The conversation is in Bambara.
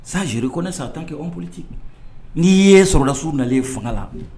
San zori koɛ san tan kɛ anoliti n'i ye solasiw nalen fanga la